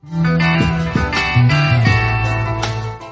San